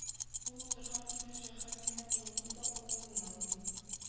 Ул утырган килеш җәһәт кенә борылды да, балдызының